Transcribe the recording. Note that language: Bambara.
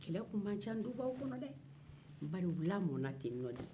kɛlɛ tun man ca dubaw kɔnɔ dɛ bari u lamɔna ten tɔ de